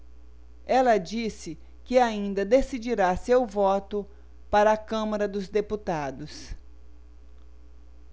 ela disse que ainda decidirá seu voto para a câmara dos deputados